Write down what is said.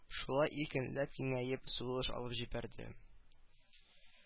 Шуйлай иркенләп киңәеп сулыш алып җибәрде